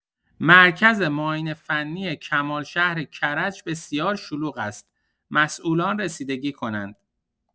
مرکز معاینه فنی کمالشهر کرج بسیار شلوغ است، مسئولان رسیدگی کنند.